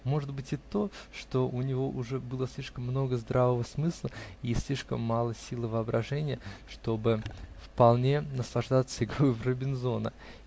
Может быть, и то, что у него уже было слишком много здравого смысла и слишком мало силы воображения, чтобы вполне наслаждаться игрою в Робинзона.